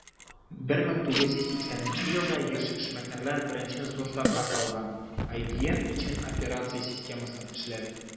1980 елда яшь эшмәкәрләр беренче зур заказ алган - ibm өчен операция системасын эшләү.